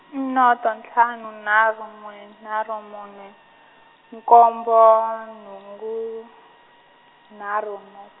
i noto ntlhanu nharhu n'we nharhu mune, nkombo, nhungu, nharhu not-.